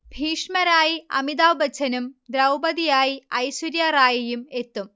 ഭീഷ്മരായി അമിതാഭ് ബച്ചനും ദ്രൗപതിയായി ഐശ്വര്യ റായിയും എത്തും